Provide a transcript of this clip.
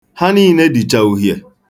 Ha niile dịcha uhie.